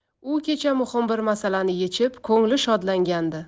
u kecha muhim bir masalani yechib ko'ngli shodlangandi